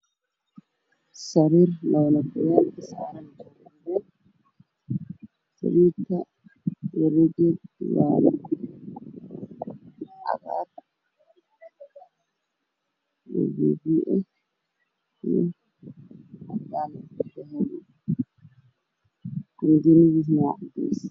Waa qol waxaa yaallo sariir midabkeedu yahay madow caddaan waxaa saaran midabkiisu yahay qaxooy madow isku jiro ma diin ayaa geystaa ka yaalo